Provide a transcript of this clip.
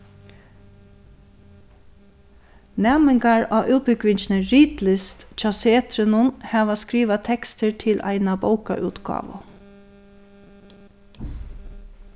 næmingar á útbúgvingini ritlist hjá setrinum hava skrivað tekstir til eina bókaútgávu